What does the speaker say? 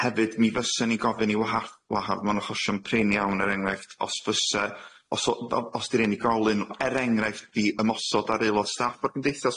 hefyd mi fysa ni gofyn i wahar- wahar ma'n achosio'n prin iawn er enghraifft os fysa os o- o- os di'r unigolyn er enghraifft di ymosod ar aelod staff o'r cymdeithas,